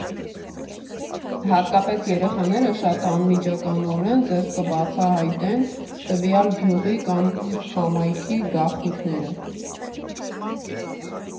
Հատկապես երեխաները շատ անմիջականորեն ձեզ կբացահայտեն տվյալ գյուղի կամ համայնքի գաղտնիքները։